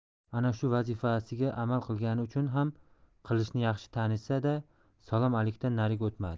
ana shu vazifasiga amal qilgani uchun ham qilichni yaxshi tanisa da salom alikdan nariga o'tmadi